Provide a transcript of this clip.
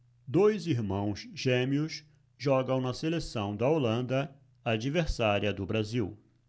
dois irmãos gêmeos jogam na seleção da holanda adversária do brasil